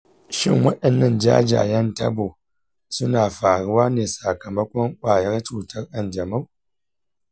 shin wadannan jajayen tabo suna faruwa ne sakamakon kwayar cutar kanjamau?